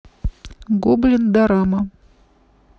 гоблин дорама